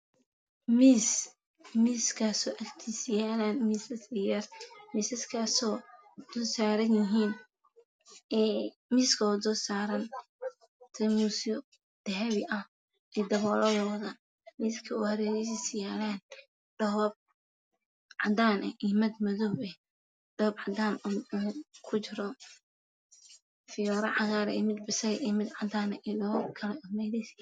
Miis miskaso agtisa yalan misas misakaso dul saran tarmusyo dahabi eh iyo daboolo miiska harerihisa yalan dhobab cadan eh iyo mid madow eh dhoob cadana o ku jiro firooye cagaar mid biseli mid cadan iyo dhobab kale